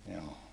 joo